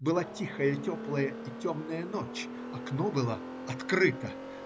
Была тихая, теплая и темная ночь окно было открыто